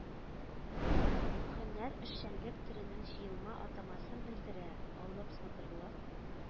Һөнәр, эшчәнлек төренең җыелма атамасын белдерә: алыпсатарлык,